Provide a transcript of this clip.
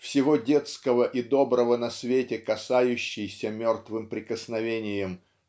всего детского и доброго на свете касающийся мертвым прикосновением